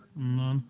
noon